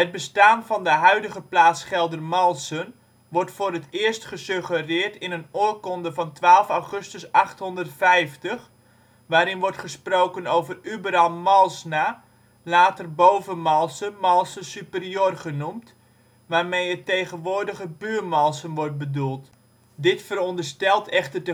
bestaan van de huidige plaats Geldermalsen wordt voor het eerst gesuggereerd in een oorkonde van 12 augustus 850. Daarin wordt gesproken over Uberan Malsna (later Boven-Malsen/Malsen Superior genoemd), waarmee het tegenwoordige Buurmalsen wordt bedoeld. Dit veronderstelt echter